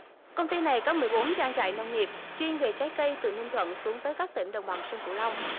công ty này có mười bốn trang trại nông nghiệp chuyên về trái cây từ ninh thuận xuống tới các tỉnh đồng bằng sông cửu long